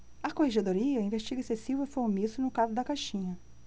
a corregedoria investiga se silva foi omisso no caso da caixinha